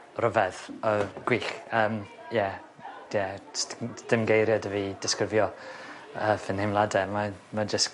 rhyfedd yy gwych yym ie ie do's dim dim geirie 'da fi i disgrifio y fy nheimlade mae'n mae'n jyst